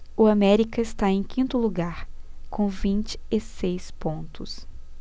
o américa está em quinto lugar com vinte e seis pontos